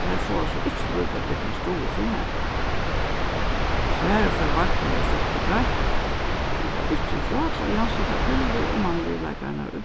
tær fáa so ikki líka dyggan stuðul sum menn svarið frá vagni var stutt og greitt vit hava ikki ráð til at javnseta kvinnuligu og mannligu leikararnar í